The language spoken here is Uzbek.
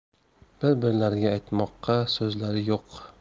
bir birlariga aytmoqqa so'zlari yo'q